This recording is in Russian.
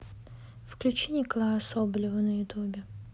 включи николая соболева на ютубе